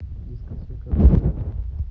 дискотека авторадио